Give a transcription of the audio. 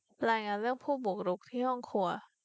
รายงานเรื่องผู้บุกรุกที่ห้องครัว